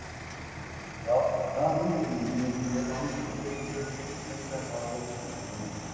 Լավ, ի՞նչ կլինի՝ մի երկու երեք ամիս, գնացեք, մինչև ես ստեղ հարցերը կլուծեմ։